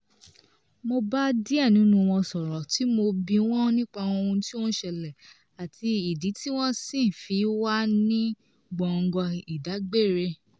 Mo bá díẹ̀ nínú wọn sọ̀rọ̀ tí mo bi wọ́n nípa ohun tí ó ń ṣẹlẹ̀ àti ìdí tí wọ́n ṣì fi wà ní gbọ̀ngán ìdágbére.